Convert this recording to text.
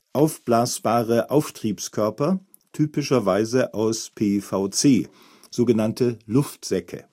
Aufblasbare Auftriebskörper, typischerweise aus PVC (sogenannte Luftsäcke